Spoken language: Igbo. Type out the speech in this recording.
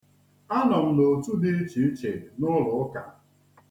Anọ m n'otu dị iche iche n'ụlọ ụka.